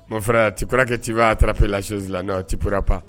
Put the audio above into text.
Mɔnfɛyatirakɛ ciba aa tarafee lasionsi la n'o tipra pa